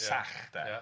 sach de... Ia.